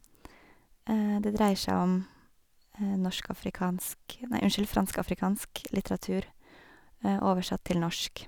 Det dreier seg om norsk-afrikansk, nei, unnskyld, fransk-afrikansk litteratur oversatt til norsk.